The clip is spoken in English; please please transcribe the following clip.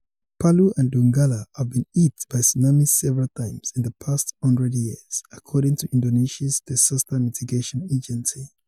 Palu and Donggala have been hit by tsunamis several times in the past 100 years, according to Indonesia's Disaster Mitigation Agency.